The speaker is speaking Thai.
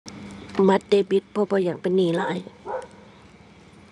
บัตรเดบิต เพราะบ่อยากเป็นหนี้หลาย